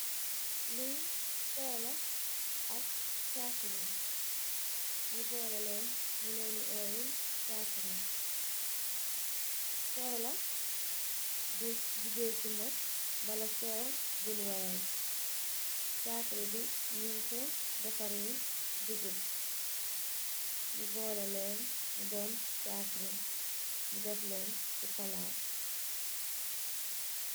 Lii soow la ak chakri, ñu boole leen, ñu leen di wowé chakri. Soow la jugée si nak, wala buñg wayal. Chakri bi, ñung ko defaree dugub, bóleleen mu don chakri, ñu def ko si palaat.